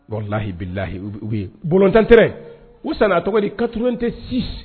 Bon lahiblahiyi u botanteɛrɛ u san tɔgɔ di katron tɛ sisan